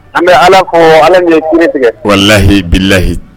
An bɛ ala fɔ ala nin ye hinɛ tigɛ kolahi bilayi